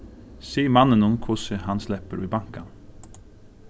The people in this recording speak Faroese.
sig manninum hvussu hann sleppur í bankan